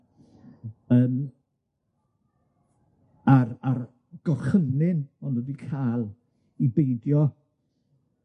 yn a'r a'r gorchymyn o' nw 'di ca'l i beidio